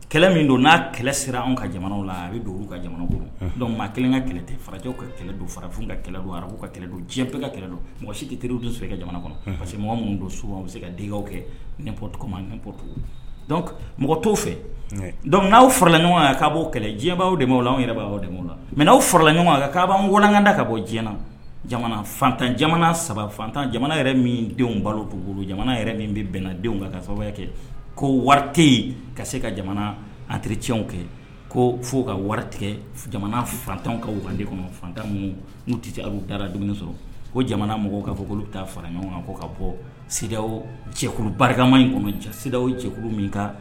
Kɛlɛ don n'a kɛlɛ sera an ka jamana la a bɛ ka jamana bolo dɔnku kelen ka kɛlɛ farajɛw ka kɛlɛ don farafin ka kɛlɛ don arabu ka kɛlɛ don diɲɛ ka kɛlɛ don mɔgɔ si tɛ teri dun ka jamana kɔnɔ parce que mɔgɔ minnu don s bɛ se ka kɛ netu mɔgɔ t fɛ n' farala ɲɔgɔn kan k' kɛlɛ diɲɛba de la anw la mɛaw farala ɲɔgɔn kan'kada ka bɔtan jamana sabatan jamana yɛrɛ min denw ban dugu bolo jamana yɛrɛ min bɛ bɛnnadenw kan ka sababuya kɛ ko wari tɛ ka se ka jamana an tericw kɛ ko fo ka wari tigɛ jamana fantan ka fanden kɔnɔ fantan minnu n'u tɛbu dara dumuni sɔrɔ ko jamana mɔgɔw ka k'olu taa fara ɲɔgɔn kan ko ka bɔ sidadaw cɛ barikama in kɔnɔdaw cɛkulu min kan